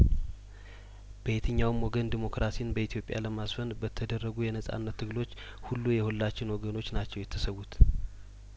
በየትኛውም ወገን ዲሞክራሲን በኢትዮጵያ ለማስፈን በተደረጉ የነጻነት ትግሎች ሁሉ የሁላችን ወገኖች ናቸው የተሰዉት